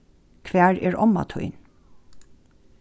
hvar er omma tín